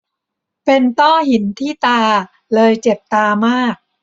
เป็นต้อหินที่ตาเลยเจ็บตามาก